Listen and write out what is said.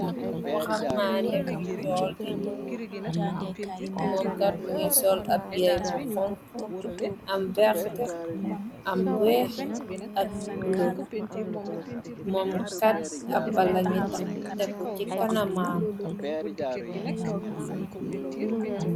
Waxambandè mu njool te ñuul moom kat mu ngi sool ab yireh am bu xonxu am vert am wèèx ak bula, moom kat ab bala ngi teku ci kana maam.